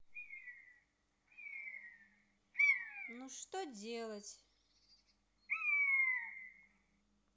ну что делать